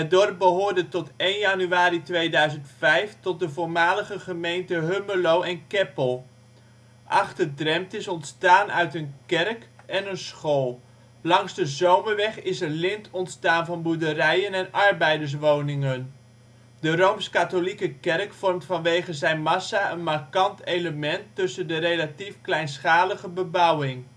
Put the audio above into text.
dorp behoorde tot 1 januari 2005 tot de voormalige gemeente Hummelo en Keppel. Achter-Drempt is ontstaan uit een kerk en een school. Langs de Zomerweg is een lint ontstaan van boerderijen en arbeiderswoningen. De Rooms-Katholieke Kerk vormt vanwege zijn massa een markant element tussen de relatief kleinschalige bebouwing